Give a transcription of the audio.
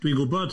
Dwi'n gwybod.